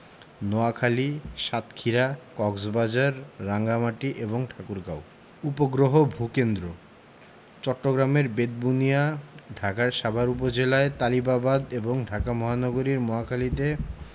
নোয়াখালী সাতক্ষীরা কক্সবাজার রাঙ্গামাটি এবং ঠাকুরগাঁও উপগ্রহ ভূ কেন্দ্রঃ চট্টগ্রামের বেতবুনিয়া ঢাকার সাভার উপজেলায় তালিবাবাদ এবং ঢাকা মহানগরীর মহাখালীতে